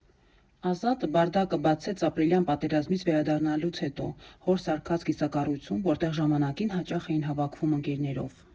Ազատը «Բարդակը» բացեց ապրիլյան պատերազմից վերադառնալուց հետո, հոր սարքած կիսակառույցում, որտեղ ժամանակին հաճախ էին հավաքվում ընկերներով։